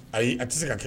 Ayi a tɛ se ka kɛ